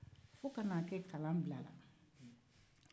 fo ka n'a ke kalan bilara